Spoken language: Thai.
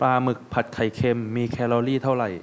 ปลาหมึกผัดไข่เค็มมีแคลอรี่เท่าไหร่